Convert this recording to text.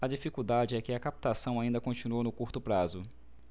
a dificuldade é que a captação ainda continua no curto prazo